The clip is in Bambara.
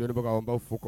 B'a fɔ kɔ